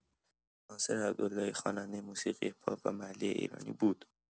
ناصر عبداللهی خواننده موسیقی پاپ و محلی ایرانی بود.